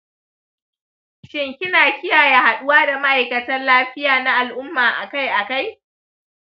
shin kina kiyaye haduwa da ma'aikatan lafiya na al'umma akai akai?